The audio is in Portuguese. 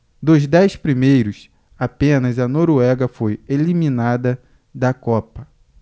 dos dez primeiros apenas a noruega foi eliminada da copa